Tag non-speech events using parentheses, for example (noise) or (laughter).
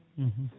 (hesitation) (hesitation)